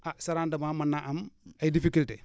ah sa rendement mën naa am ay difficultés